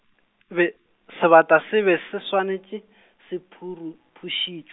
be-, sebata se be se swanetše , se phuruphuši-.